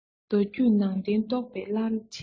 མདོ རྒྱུད ནང བསྟན རྟོགས པའི བླ ཆེན ཡིན